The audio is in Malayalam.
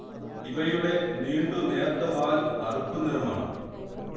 ഇവയുടെ നീണ്ടു നേർത്ത വാൽ കറുപ്പു നിറമാണ്